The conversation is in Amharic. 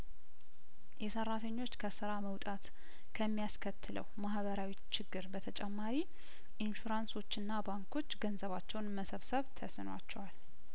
የሰራተኞች ከስራ መውጣት ከሚያስ ከትለው ማህበራዊ ችግር በተጨማሪ ኢንሹራንሶችና ባንኮች ገንዘባቸውን መሰብሰብ ተስኗቸዋል